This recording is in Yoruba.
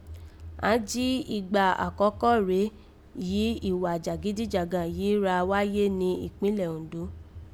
Àán jí ìgbà àkọ́kọ́ rèé yìí ìwà jàgídíjàgan yìí ra wáyé ni ìkpínlẹ̀ Òǹdó